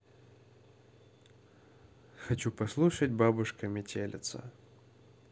хочу послушать бабушка метелица